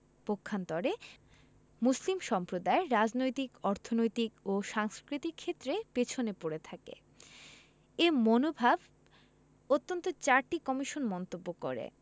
পক্ষান্তরে মুসলিম সম্প্রদায় রাজনৈতিক অর্থনৈতিক ও সাংস্কৃতিক ক্ষেত্রে পেছনে পড়ে থাকে এ মনোভাব অন্তত চারটি কমিশন মন্তব্য করে